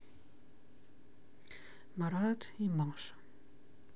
марат и маша